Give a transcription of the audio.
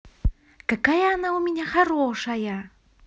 какая она у меня хорошая